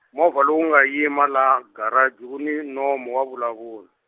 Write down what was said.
movha lowu nga yima laha garachi wu ni nomu wa vulavula.